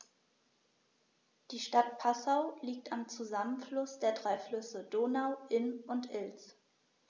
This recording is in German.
Die Stadt Passau liegt am Zusammenfluss der drei Flüsse Donau, Inn und Ilz.